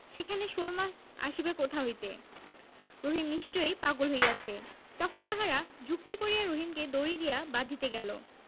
সেখানে শোলমাছ আসিবে কোথা হইতে রহিম নিশ্চয়ই পাগল হইয়াছে তখন তাহারা যুক্তি করিয়া রহিমকে দড়ি দিয়া বাধিতে গেল